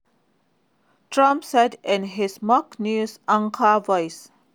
Trump said in his mock "news anchor" voice.